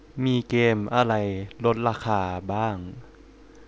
มีเกมอะไรลดราคาบ้าง